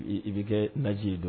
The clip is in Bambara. I i bɛ kɛ naji ye d